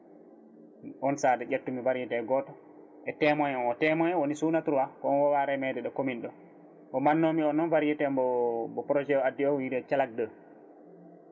on saaha nde ƴettumi variété goto e témoin o témoin o woni suuna 3 ko on wowa remede ɗo commune ɗo mo mbannomi o noon variété mbo mbo projet o addi o wiite calak 2